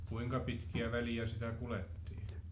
kuinka pitkiä välejä sitä kuljettiin